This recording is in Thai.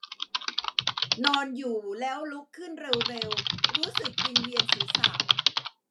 นอนอยู่แล้วลุกขึ้นเร็วเร็วรู้สึกวิงเวียนศีรษะ